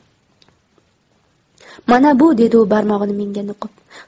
mana bu dedi u barmog'ini menga nuqib